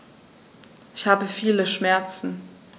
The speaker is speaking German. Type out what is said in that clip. Ich habe viele Schmerzen.